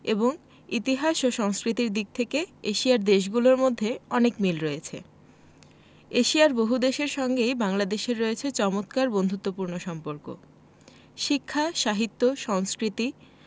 এবং ইতিহাস ও সংস্কৃতির দিক থেকে এশিয়ার দেশগুলোর মধ্যে অনেক মিল রয়েছে এশিয়ার বহুদেশের সঙ্গেই বাংলাদেশের রয়েছে চমৎকার বন্ধুত্বপূর্ণ সম্পর্ক শিক্ষাসাহিত্য সংস্কৃতি